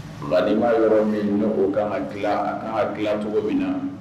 Nka' ma yɔrɔ min o ka kan ka a kan dilan cogo min na